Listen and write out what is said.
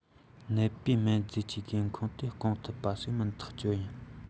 ནད པའི སྨན རྫས ཀྱི དགོས མཁོ རྦད དེ སྐོང ཐུབ པ ཞིག མིན ཐག ཆོད རེད